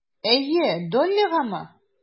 Әйе, Доллигамы?